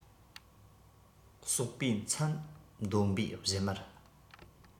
ཟོག པོའི མཚམ འདོན པའི བཞུ མར